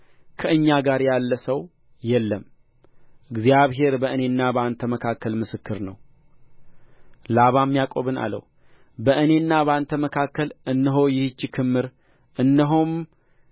ከእኛ ጋር ያለ ሰው የለም እግዚአብሔር በእኔና በአንተ መካከል ምስክር ነው ላባም ያዕቆብን አለው በእኔና በአንተ መካከል እነሆ ይህች ክምር እነሆም